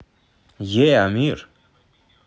yeah мир